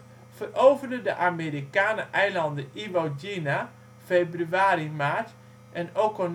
veroverden de Amerikanen eilanden Iwo Jima (februari-maart) en Okinawa